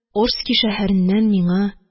Орски шәһәреннән миңа